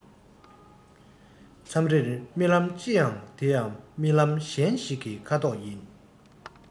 མཚམས རེར རྨི ལམ ཅི ཡང དེ ཡང རྨི ལམ གཞན ཞིག གི ཁ དོག ཡིན